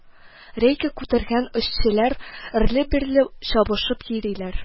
Рейка күтәргән эшчеләр әрле-бирле чабышып йөриләр